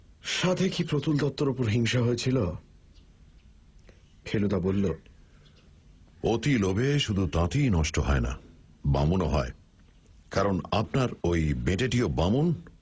সাধে কি প্রতুল দত্তের উপর হিংসা হয়েছিল ফেলুদা বলল অতি লোভে শুধু তাঁতিই নষ্ট হয় না বামুনও হয় কারণ আপনার ওই বেটেটিও বামুন